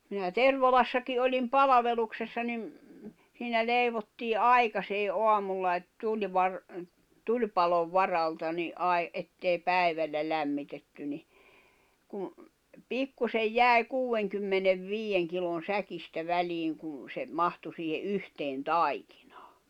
minä Tervalassakin olin palveluksessa niin siinä leivottiin aikaiseen aamulla että - tulipalon varalta niin - että ei päivällä lämmitetty niin kun pikkuisen jäi kuudenkymmenenviiden kilon säkistä väliin kun se mahtui siihen yhteen taikinaan